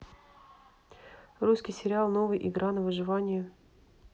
русский сериал новый игра на выживание